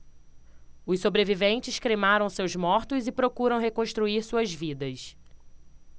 os sobreviventes cremaram seus mortos e procuram reconstruir suas vidas